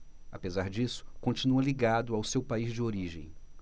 apesar disso continua ligado ao seu país de origem